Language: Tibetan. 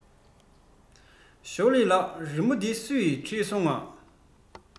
ཞོའོ ལིའི ལགས རི མོ འདི སུས བྲིས སོང ངས